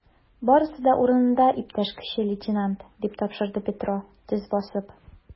Барысы да урынында, иптәш кече лейтенант, - дип тапшырды Петро, төз басып.